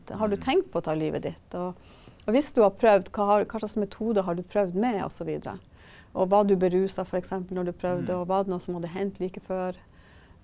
har du tenkt på å ta livet ditt, og hvis du har prøvd, hva har hva slags metode har du prøvd med og så videre, og var du berusa f.eks. når du prøvde, og var noe som hadde hent like før?